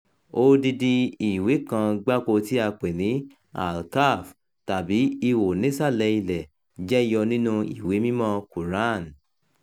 Odindin ìwé kan gbáko tí a pè ní "Al Kahf" tàbí "Ihò nísàlẹ̀ ilẹ̀ " jẹyọ nínúu ìwé mímọ́ọ Kuran.